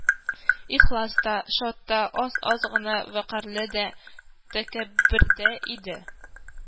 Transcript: Ихлас та, шат та, аз-аз гына вәкарьле дә, тәкәббер дә иде